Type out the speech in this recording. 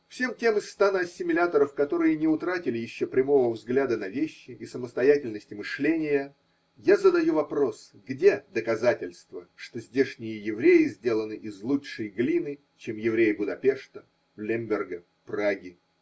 Всем тем из стана ассимиляторов, которые не утратили еще прямого взгляда на вещи и самостоятельности мышления, я задаю вопрос: где доказательство, что здешние евреи сделаны из лучшей глины, чем евреи Будапешта, Лемберга, Праги?